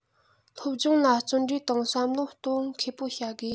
སློབ སྦྱོང ལ བརྩོན འགྲུས དང བསམ བློ གཏོང མཁས པོ བྱ དགོས